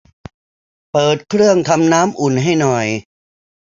เปิดเครื่องทำน้ำอุ่นให้หน่อย